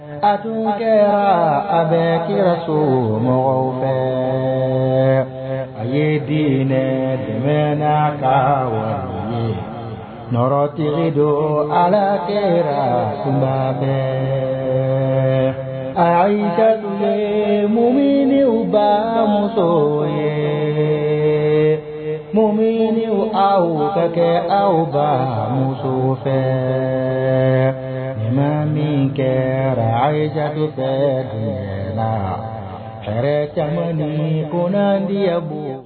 A tun kɛra a bɛ kɛra so mɔgɔw fɛ a ye deninɛ dɛmɛ ka waɔrɔtigi don ala kɛ fɛ a y'i ka tile mun minnu ba muso yem aw ka kɛ aw ba musow fɛ ma min kɛra a ye ja fɛ la la hɛrɛ caman ni ni kundiyabɔ